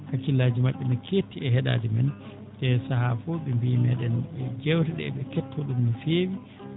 hakkillaaji maɓɓe no keetti e heɗaade men e sahaa fof ɓe mbiya meeɗen njeewte ɗe eɓe kettoo ɗum no feewi